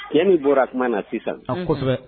Tiɲɛ ni bɔra tuma na sisan kosɛbɛ